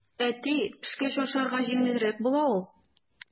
Әти, пешкәч ашарга җиңелрәк була ул.